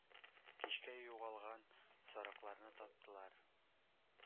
Кичкә югалган сарыкларны таптылар.